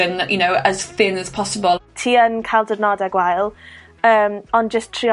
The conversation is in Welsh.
yn you know as thin as possible. Ti yn ca'l diwrnodau gwael, yym ond jyst trio